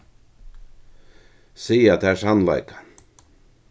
siga tær sannleikan